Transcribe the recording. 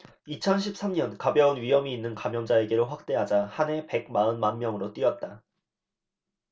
이천 십 삼 년 가벼운 위염이 있는 감염자에게로 확대하자 한 해 백 마흔 만명으로 뛰었다